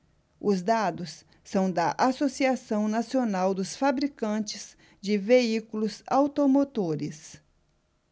os dados são da anfavea associação nacional dos fabricantes de veículos automotores